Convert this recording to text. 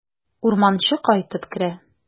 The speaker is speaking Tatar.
Урманчы кайтып керә.